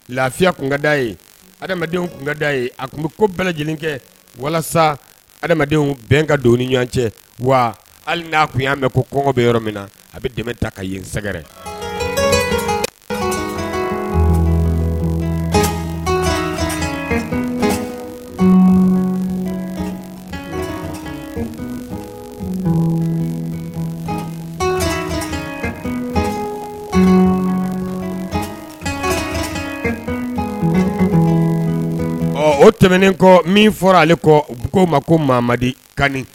Lafiya kun ka da ye adamadenw kun kaaa ye a tun bɛ ko bɛ lajɛlen kɛ walasa adamadenw bɛn ka don ni ɲɔgɔn cɛ wa hali n'a tun y'a mɛn ko kɔngɔ bɛ yɔrɔ min na a bɛ dɛmɛ ta ka yen sɛgɛrɛ ɔ o tɛmɛnen kɔ min fɔra ale kɔ u k'o ma ko mamadi kan